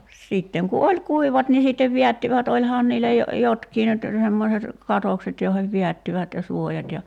sitten kun oli kuivat niin sitten vedättivät olihan niillä - jotkin nyt semmoiset katokset joihin vedättivät ja suojat ja